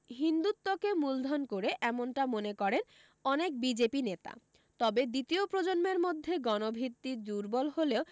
হিন্দুত্বকে মূলধন করে এমনটা মনে করেন অনেক বিজেপি নেতা তবে দ্বিতীয় প্রজন্মের মধ্যে গণভিত্তি দুর্বল হলেও